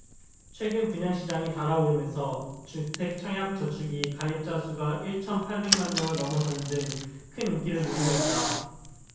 최근 분양시장이 달아오르면서 주택청약저축이 가입자수가 일 천 팔백 만명을 넘어서는 등 큰 인기를 누리고 있다